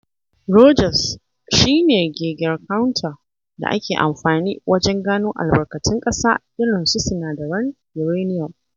Rogers: "Shi ne Geiger Counter, da ake amfani wajen gano albarkatun ƙasa, irin su sinadaran uranium.